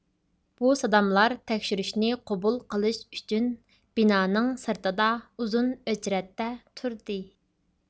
بۇ ساداملار تەكشۈرۈشنى قوبۇل قىلىش ئۈچۈن بىنانىڭ سىرتىدا ئۇزۇن ئۆچىرەتتە تۇردى